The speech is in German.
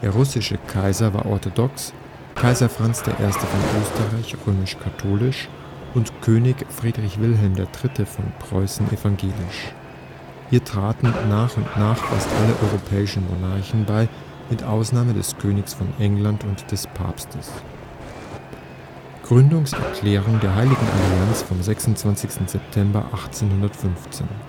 russische Kaiser war orthodox, Kaiser Franz I. von Österreich römisch-katholisch und König Friedrich Wilhelm III. von Preußen evangelisch. Ihr traten nach und nach fast alle europäischen Monarchen bei, mit Ausnahme des Königs von England und des Papstes. Gründungserklärung der Heiligen Allianz vom 26. September 1815